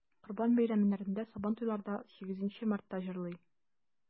Корбан бәйрәмнәрендә, Сабантуйларда, 8 Мартта җырлый.